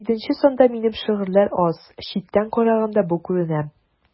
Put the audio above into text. Җиденче санда минем шигырьләр аз, читтән караганда бу күренә.